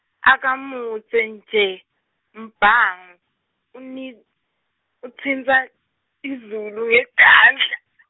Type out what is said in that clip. akamudze nje, Mbango, uni- utsintsa, lizulu ngetandla.